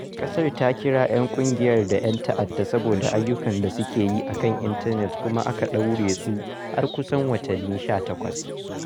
ƙasar ta kira 'yan ƙungiyar da "'yan ta'adda" saboda ayyukan da suke yi a kan intanet kuma aka ɗaure su har kusan watanni 18.